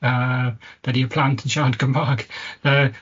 yy dydy'r plant yn siarad Cymraeg yy